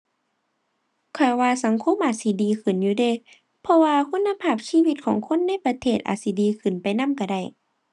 ข้อยว่าสังคมอาจสิดีขึ้นอยู่เดะ เพราะว่าคุณภาพชีวิตของคนในประเทศอาจสิดีขึ้นไปนำก็ได้